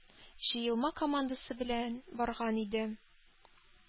Җыелма командасы белән барган иде.